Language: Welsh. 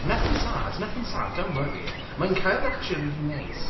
Nothing sad, nothing sad, don't worry mae'n cerdd actually rili neis.